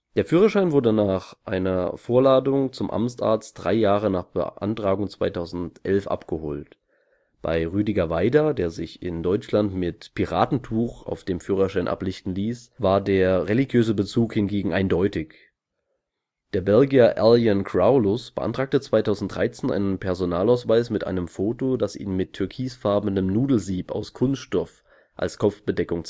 Der Führerschein wurde nach einer Vorladung zum Amtsarzt drei Jahre nach Beantragung 2011 abgeholt. Bei Rüdiger Weida, der sich in Deutschland mit Piratentuch auf dem Führerschein ablichten ließ, war der religiöse Bezug hingegen eindeutig. Der Belgier Alain Graulus beantragte 2013 einen Personalausweis mit einem Foto, das ihn mit türkisfarbenem Nudelsieb aus Kunststoff als Kopfbedeckung